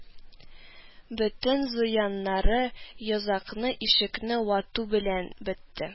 Бөтен зыяннары йозакны-ишекне вату белән бетте